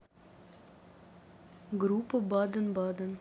группа баденбаден